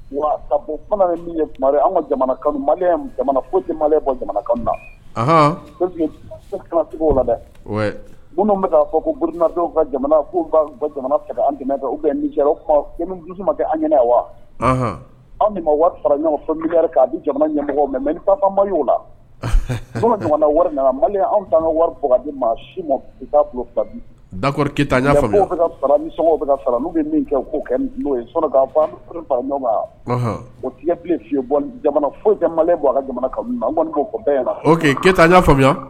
Wa ka fana min ye an ka jamana jamanakan natigiw la dɛ bɛ'a fɔ koina dɔw ka jamana jamana an tɛm u bɛ ma kɛ an ɲɛna wa anw ma wari fara ɲɔgɔn fɛn mi' bɛ jamana ɲɛmɔgɔ mɛn mɛ fa o la jamana mali anw ka wari di maa si ma taa fila ni bɛ fara n'u bɛ min kɛ n' o ti foyi ka kɔni' fɔ bɛɛ yan na ke faamuya